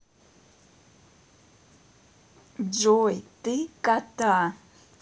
джой ты кота